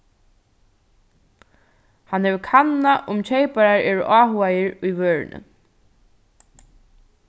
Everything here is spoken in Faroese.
hann hevur kannað um keyparar eru áhugaðir í vøruni